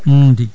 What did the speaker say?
noon tigui